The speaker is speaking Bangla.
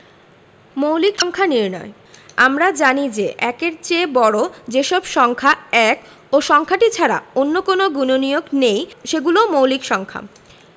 মৌলিক সংখ্যা নির্ণয় আমরা জানি যে ১-এর চেয়ে বড় যে সব সংখ্যা ১ ও সংখ্যাটি ছাড়া অন্য কোনো গুণনীয়ক নেই সেগুলো মৌলিক সংখ্যা